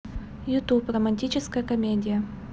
ютуб романтическая комедия